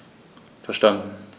Verstanden.